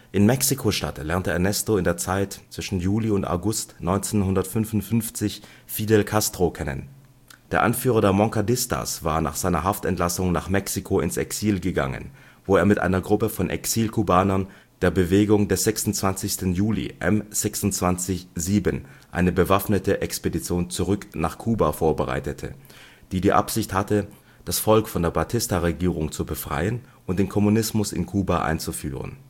In Mexiko-Stadt lernte Ernesto im Juli/August 1955 Fidel Castro kennen. Der Anführer der Moncadistas war nach seiner Haftentlassung nach Mexiko ins Exil gegangen, wo er mit einer Gruppe von Exil-Kubanern der Bewegung des 26. Juli (M-26-7) eine bewaffnete Expedition zurück nach Kuba vorbereitete, die die Absicht hatte, das Volk von der Batista-Regierung zu befreien und den Kommunismus in Kuba einzuführen